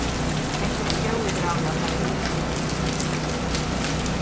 hetta er ein góður dagur at fara útferð